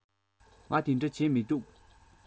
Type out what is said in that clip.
ང འདི འདྲ བྱེད མི འདུག